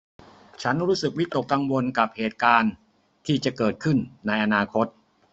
ฉันรู้สึกวิตกกังวลกับเหตุการณ์ที่จะเกิดขึ้นในอนาคต